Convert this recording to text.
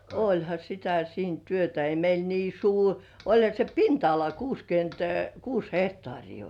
olihan sitä siinä työtä ei meillä niin suuri olihan se pinta-ala kuusikymmentä kuusi hehtaaria oli